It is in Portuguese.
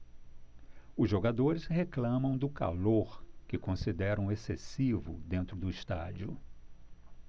os jogadores reclamam do calor que consideram excessivo dentro do estádio